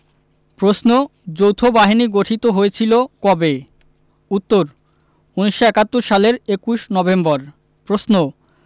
প্রশ্ন যৌথবাহিনী গঠিত হয়েছিল কবে উত্তর ১৯৭১ সালের ২১ নভেম্বর প্রশ্ন